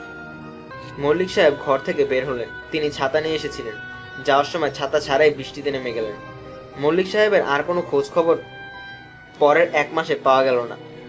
মল্লিক সাহেব ঘর থেকে বের হলেন তিনি ছাতা নিয়ে এসেছিলেন যাবার সময় ছাতা ছাড়াই বৃষ্টিতে নেমে গেলেন মল্লিক সাহেবের আর কোনো খোঁজখবর পরের এক মাসেও পাওয়া গেল না